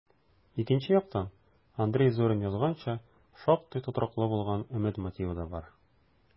Икенче яктан, Андрей Зорин язганча, шактый тотрыклы булган өмет мотивы да бар: